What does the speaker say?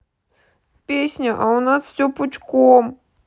песня а у нас все пучком